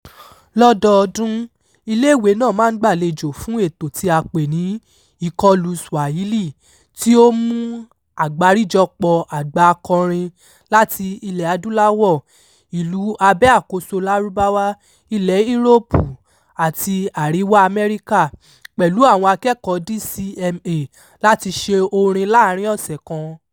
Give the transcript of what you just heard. Lọ́dọọdún, iléèwé náà máa ń gbàlejò fún ètò tí a pè ní "Ìkọlù Swahili", tí ó mú àgbárijọpọ̀ọ àgbà akọrin láti Ilẹ̀-Adúláwọ̀, Ìlú Abẹ́-àkóso Lárúbáwá, Ilẹ̀ Éróòpù àti Àríwá Amẹ́ríkà pẹ̀lú àwọn akẹ́kọ̀ọ́ DCMA láti ṣe orin láàárín ọ̀sẹ̀ kan.